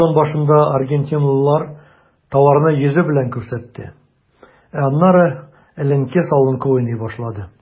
Сезон башында аргентинлылар тауарны йөзе белән күрсәтте, ә аннары эленке-салынкы уйный башлады.